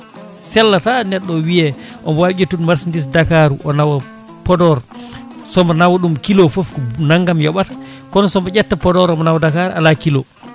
sellata neɗɗo o wiiye omo wawi ƴettude marchandise Dakar o nawa Podor somo nawa ɗum kilo foof ko buud naggam yooɓata kono sobo ƴetta Podor omo nawa Dakar ala kilo